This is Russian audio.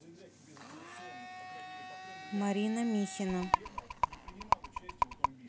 марина михина